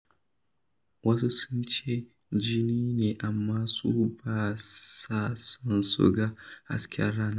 Wasu sun ce jini ne amma su ba sa son su ga hasken rana